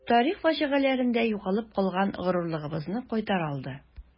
Тарих фаҗигаларында югалып калган горурлыгыбызны кайтара алды.